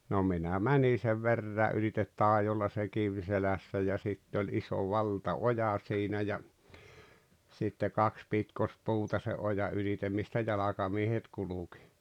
no minä menin sen veräjän ylitse taidolla se kivi selässä ja sitten oli iso valtaoja siinä ja sitten kaksi pitkospuuta sen ojan ylitse mistä jalkamiehet kulki